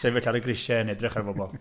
Sefyll ar y grisiau yn edrych ar bobl.